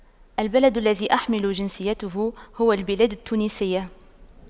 البلد الذي أحمل جنسيته هو البلاد التونسية